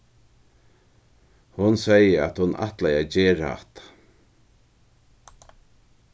hon segði at hon ætlaði at gera hatta